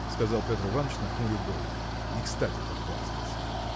– сказал Петр Иваныч, нахмурив брови, – не кстати похвастался.